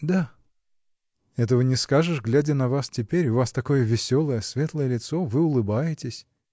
-- Да. -- Этого не скажешь, глядя на вас теперь: у вас такое веселое, светлое лицо, вы улыбаетесь.